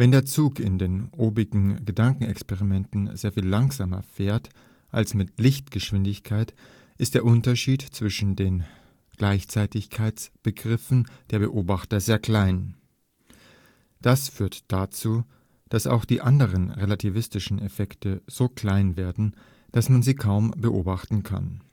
der Zug in den obigen Gedankenexperimenten sehr viel langsamer fährt als mit Lichtgeschwindigkeit, ist der Unterschied zwischen den Gleichzeitigkeitsbegriffen der Beobachter sehr klein. Das führt dazu, dass auch die anderen relativistischen Effekte so klein werden, dass man sie kaum beobachten kann